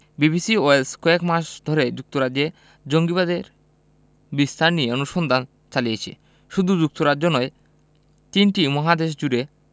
BBC Wales কয়েক মাস ধরে যুক্তরাজ্যে জঙ্গিবাদের বিস্তার নিয়ে অনুসন্ধান চালিয়েছে শুধু যুক্তরাজ্য নয় তিনটি মহাদেশজুড়ে